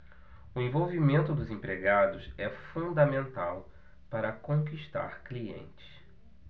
o envolvimento dos empregados é fundamental para conquistar clientes